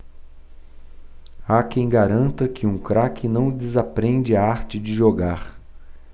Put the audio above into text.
há quem garanta que um craque não desaprende a arte de jogar